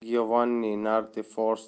giovanni nardi for